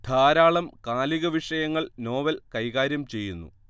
ധാരാളം കാലിക വിഷയങ്ങൾ നോവൽ കൈകാര്യം ചെയ്യുന്നു